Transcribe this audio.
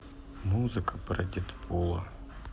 музыка про дедпула